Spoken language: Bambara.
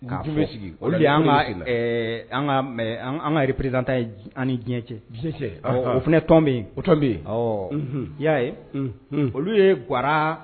Ka sigi de an kareperedta an ni diɲɛ cɛ ounɛ tɔn bɛ yen o tɔn bɛ yen ɔ y'a ye olu ye ga